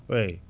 eyyi